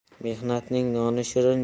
mehnatning noni shirin